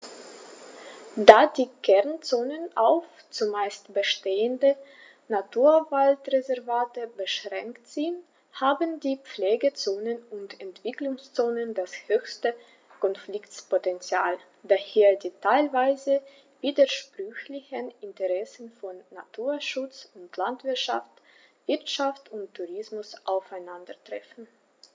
Da die Kernzonen auf – zumeist bestehende – Naturwaldreservate beschränkt sind, haben die Pflegezonen und Entwicklungszonen das höchste Konfliktpotential, da hier die teilweise widersprüchlichen Interessen von Naturschutz und Landwirtschaft, Wirtschaft und Tourismus aufeinandertreffen.